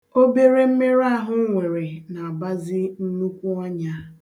Obere mmerụ ahụ m nwere na-abazị nnukwu ọnya.